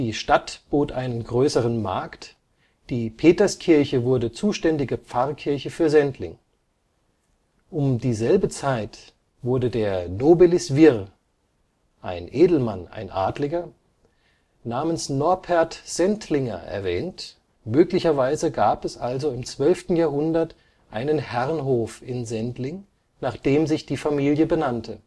Stadt bot einen größeren Markt, die Peterskirche wurde zuständige Pfarrkirche für Sendling. Um dieselbe Zeit wurde der nobilis vir (Edelmann, Adeliger) namens Norpert Sentlinger erwähnt, möglicherweise gab es also im 12. Jahrhundert einen Herrenhof in Sendling, nach dem sich die Familie benannte